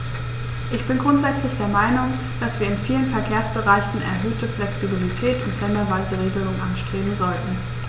Ich bin grundsätzlich der Meinung, dass wir in vielen Verkehrsbereichen erhöhte Flexibilität und länderweise Regelungen anstreben sollten.